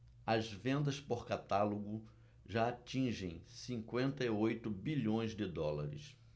as vendas por catálogo já atingem cinquenta e oito bilhões de dólares